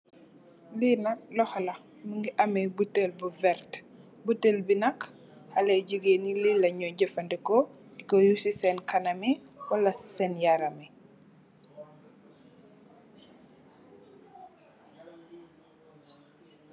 Bii nak lokhor la, mungy ameh butehl bu vert, butehl bii nak haleh yii gigain yii lii leh njui jeufandikor dikoh use cii sen kanam yii wala cii sen yaram yii.